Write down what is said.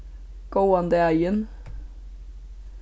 góðan dagin